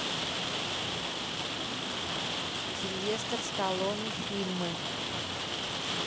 сильвестр сталлоне фильмы